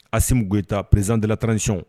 Asimi Goyita président de la transition